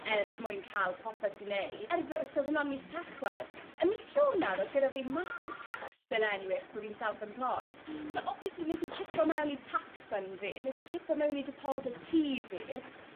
er mwyn ca'l popeth 'di neu'. Er by- so o'dd wnna'n mis Tachwedd ym mis Ionawr o'dd gyda fi massive tax bill eniwe achos bo' fi'n self employed. Hmm. So obviously nes i chipo mewn i tax fund fi nes i chipo mewn i deposit tŷ fi